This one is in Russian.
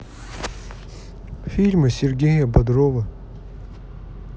фильмы сергея бодрова